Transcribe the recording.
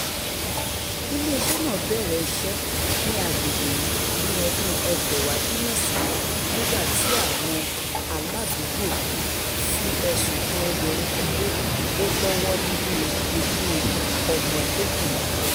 Iléeṣẹ́ náà bẹ̀rẹ̀ iṣẹ́ ní agbègbè yìí ní ọdún-un 1991 nígbà tí àwọn aládùúgbò fi ẹ̀sùn kan obìnrin kan pé ó lọ́wọ́ nínú ikú ọmọdékùnrin kan.